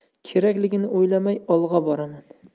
kerakligini o'ylamay olg'a boraman